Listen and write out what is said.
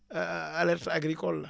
alerte agricole la